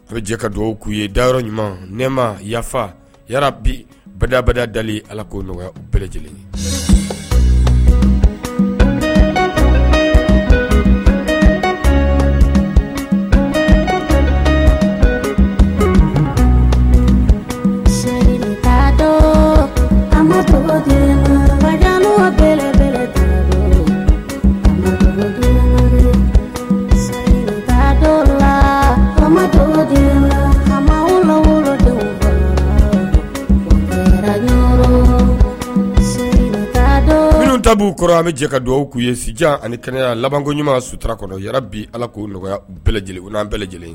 Ojɛ ka dugawu k'u ye dayɔrɔ ɲuman nɛ ma yafa ya bi bɛɛdabali dalen ala ko bɛɛ lajɛlen ye minnu tabu kɔrɔ an bɛ jɛ ka dugawu'u ye si ani kɛnɛya labanko ɲuman sutura kɔnɔ bi ala k' bɛɛ lajɛlen n'an bɛɛ lajɛlen